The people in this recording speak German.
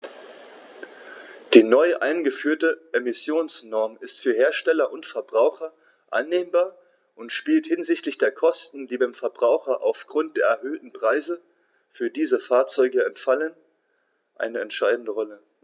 Die neu eingeführte Emissionsnorm ist für Hersteller und Verbraucher annehmbar und spielt hinsichtlich der Kosten, die beim Verbraucher aufgrund der erhöhten Preise für diese Fahrzeuge anfallen, eine entscheidende Rolle.